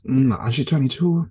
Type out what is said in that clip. And she's twenty two!